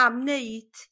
am neud